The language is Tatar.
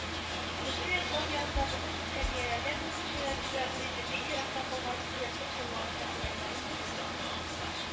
Күрше йортлар янындагы буш эскәмияләргә күз төшерә-төшерә ул инде бик еракта калган студентлык еллары хатирәләренә бирелде